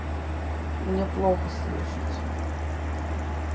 мне плохо слышать